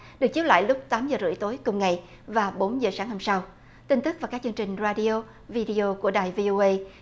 được chiếu lại lúc tám giờ rưỡi tối cùng ngày và bốn giờ sáng hôm sau tin tức và các chương trình ra đi ô vi đi ô của đài vi ô guây